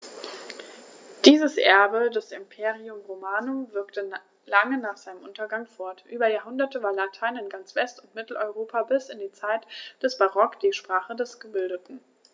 Dieses Erbe des Imperium Romanum wirkte lange nach seinem Untergang fort: Über Jahrhunderte war Latein in ganz West- und Mitteleuropa bis in die Zeit des Barock die Sprache der Gebildeten.